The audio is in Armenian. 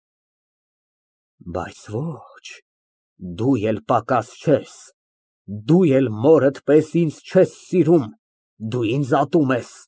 Բայց ոչ դու էլ պակաս չես, դու էլ մորդ պես ինձ չես սիրում, դու ատում ես ինձ։